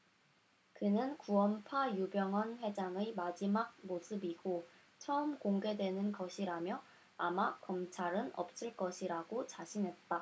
그는 구원파 유병언 회장의 마지막 모습이고 처음 공개되는 것이라며 아마 검찰은 없을 것이라고 자신했다